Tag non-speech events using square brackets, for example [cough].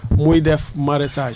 [noise] muy def maraîchage